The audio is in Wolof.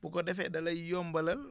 bu ko defee da lay yombalal